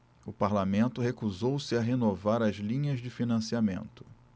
o parlamento recusou-se a renovar as linhas de financiamento